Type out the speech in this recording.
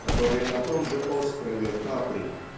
которые на том же острове Капри